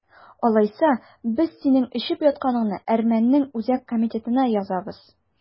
Алайса, без синең эчеп ятканыңны әрмәннең үзәк комитетына язабыз!